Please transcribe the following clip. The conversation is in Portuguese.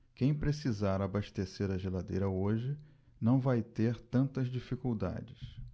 quem precisar abastecer a geladeira hoje não vai ter tantas dificuldades